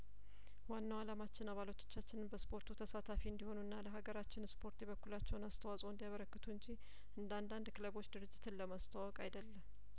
ዋናው አላማችን አባላቶቻችንን በስፖርቱ ተሳታፊ እንዲሆኑና ለሀገራችን ስፖርት የበኩላቸውን አስተዋጽኦ እንዲያበረክቱ እንጂ እንደአንዳንድ ክለቦች ድርጅትን ለማስተዋወቅ አይደለም